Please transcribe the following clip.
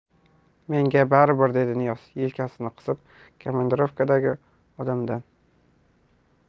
menga bari bir dedi niyoz yelkasini qisib komandirovkadagi odamman